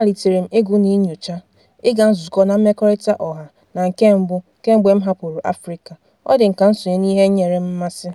Amalitere m ịgụ na inyocha, ịga nzukọ na mmekọrịta ọha na nke mbụ kemgbe m hapụrụ Afrịka, ọ dị m ka m sonye n'ihe nyere m mmasị.